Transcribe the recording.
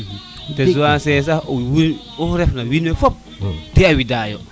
to Zancier sax ow iin xu ref na wine fop te a wida yo